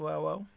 waaw waaw